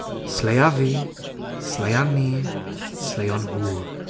Sleia fi. Sleia ni. Sleion nhw.